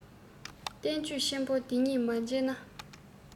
བསྟན བཅོས ཆེན པོ འདི གཉིས མ མཇལ ན